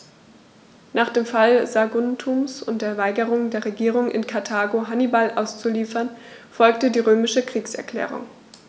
Nach dem Fall Saguntums und der Weigerung der Regierung in Karthago, Hannibal auszuliefern, folgte die römische Kriegserklärung.